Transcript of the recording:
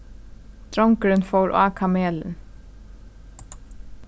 drongurin fór á kamelin